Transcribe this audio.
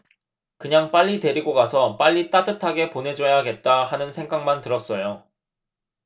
그냥 빨리 데리고 가서 빨리 따뜻하게 보내줘야겠다 하는 생각만 들었어요